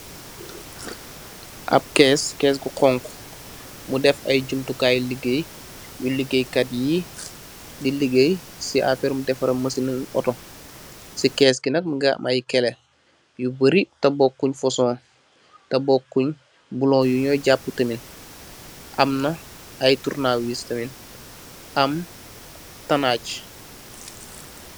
Ab kees, kees gu xoñxu. Mu def jumtu kaay i leegey, muy ligeey di ligey si walum defarum otto. Si kees gi nak, mu ngi am ay kele yu bëri ta bookuñ fason, ta bookuñ, bolong yu ñuy jaapu tamit. Am na ay turnewiis tamit, am na tanaage.